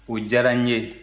o diyara n ye